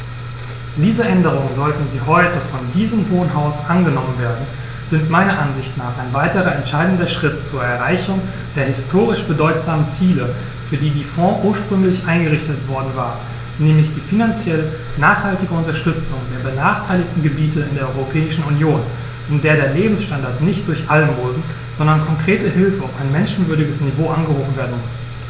Diese Änderungen, sollten sie heute von diesem Hohen Haus angenommen werden, sind meiner Ansicht nach ein weiterer entscheidender Schritt zur Erreichung der historisch bedeutsamen Ziele, für die die Fonds ursprünglich eingerichtet worden waren, nämlich die finanziell nachhaltige Unterstützung der benachteiligten Gebiete in der Europäischen Union, in der der Lebensstandard nicht durch Almosen, sondern konkrete Hilfe auf ein menschenwürdiges Niveau angehoben werden muss.